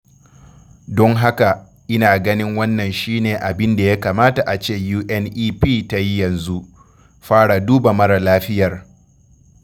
Don haka, ina ganin wannan shi ne abin da ya kamata a ce UNEP ta yi yanzu: fara duba mara lafiyar.